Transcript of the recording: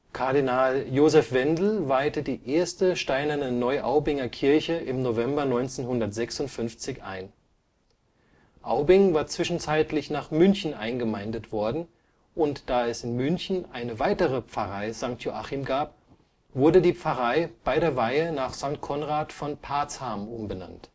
Kardinal Joseph Wendel weihte die erste steinerne Neuaubinger Kirche im November 1956 ein. Aubing war zwischenzeitlich nach München eingemeindet worden, und da es in München eine weitere Pfarrei St. Joachim gab, wurde die Pfarrei bei der Weihe nach St. Konrad von Parzham umbenannt